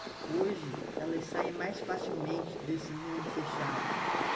hoje elas saem mais facilmente desse mundo fechado